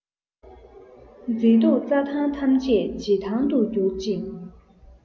མཛེས སྡུག རྩྭ ཐང ཐམས ཅད བྱེད ཐང དུ བསྒྱུར ཅིང